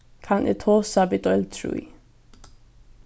kann eg tosa við deild trý